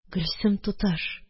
Гөлсем туташ